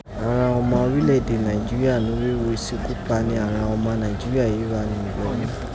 àghan ọma orilẹ ede Naijiria norígho isekupanẹ àghan ọma Naijiria èyí gha ni Ilọrin.